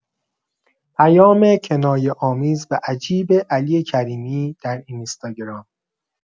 پیام کنایه‌آمیز و عجیب علی کریمی در اینستاگرام!